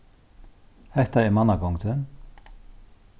hetta er mannagongdin